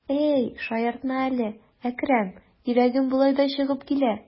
Әй, шаяртма әле, Әкрәм, йөрәгем болай да чыгып килә.